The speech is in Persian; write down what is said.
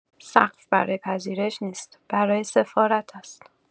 سقف برای پذیرش نیست برای سفارت هست